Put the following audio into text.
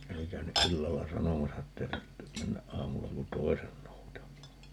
oli käynyt illalla sanomassa että ei tarvitse mennä aamulla kuin toisen noutamaan